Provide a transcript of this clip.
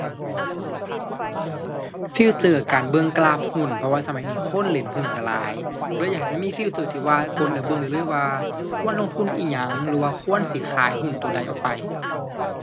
ฟีเจอร์การเบิ่งกราฟหุ้น เพราะว่าสมัยนี้คนเล่นหุ้นก็หลาย เลยอยากให้มันมีฟีเจอร์ที่ว่ากดแล้วเบิ่งได้เลยว่า ควรลงทุนอิหยัง หรือว่าควรสิขายหุ้นก็ใดออกไป